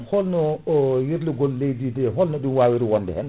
holno o yirlugol leydi ndi holno ɗum wawiri wonde hen